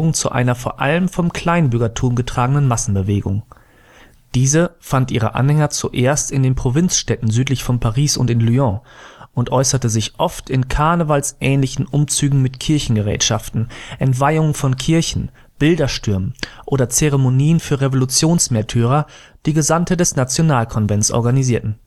zu einer vor allem vom Kleinbürgertum getragenen Massenbewegung; diese fand ihre Anhänger zuerst in den Provinzstädten südlich von Paris und in Lyon und äußerte sich oft in karnevalsähnlichen Umzügen mit Kirchengerätschaften, Entweihungen von Kirchen, Bilderstürmen oder Zeremonien für Revolutionsmärtyrer, die Gesandte des Nationalkonvents organisierten